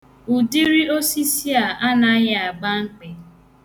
Ụdịrị osisi a anaghị agba mkpị.